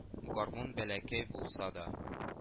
Гармун бәләкәй булса да